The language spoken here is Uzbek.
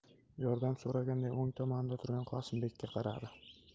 yordam so'raganday o'ng tomonidan turgan qosimbekka qaradi